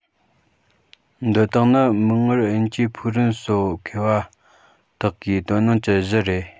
འདི དག ནི མིག སྔར དབྱིན ཇིའི ཕུག རོན གསོ མཁས པ དག གིས དོ སྣང བགྱི གཞི རེད